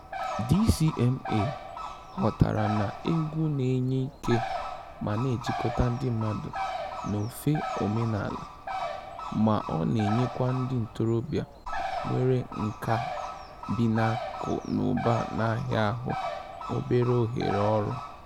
DCMA ghọtara na egwu na-enye ike ma na-ejikọta ndị mmadụ n'ofe omenaala — ma ọ na-enyekwa ndị ntorobịa nwere nkà bi na akụ na ụba na-ahịahụ obere ohere ọrụ.